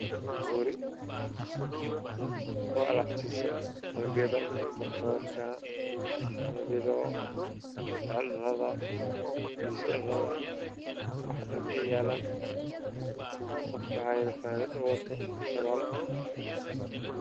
Waa matoor iyo nin ag taagan